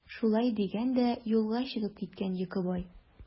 Шулай дигән дә юлга чыгып киткән Йокыбай.